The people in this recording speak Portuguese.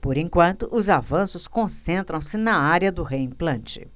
por enquanto os avanços concentram-se na área do reimplante